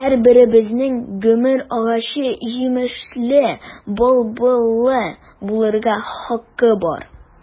Һәрберебезнең гомер агачы җимешле, былбыллы булырга хакы бар.